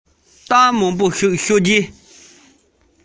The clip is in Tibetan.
གསར འགྱུར ཞིག ཡིན པ མ ཟད